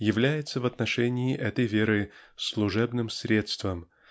является в отношении этой веры служебным средством